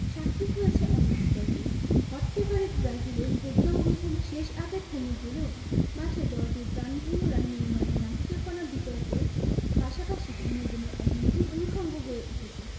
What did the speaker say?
সাক্ষী হয়েছে অনেক বিতর্কেরও হট ফেভারিট ব্রাজিলের হেক্সা অভিযান শেষ আটে থেমে গেলেও মাঠে দলটির প্রাণভোমরা নেইমারের নাটুকেপনা বিতর্কের পাশাপাশি বিনোদনের এক নতুন অনুষঙ্গ হয়ে উঠেছে